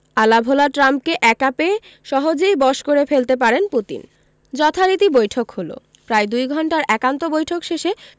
আলাভোলা ট্রাম্পকে একা পেয়ে সহজেই বশ করে ফেলতে পারেন পুতিন যথারীতি বৈঠক হলো প্রায় দুই ঘণ্টার একান্ত বৈঠক শেষে